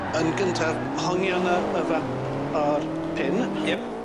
Yn gyntaf hongian y y fap a'r pin. Iep.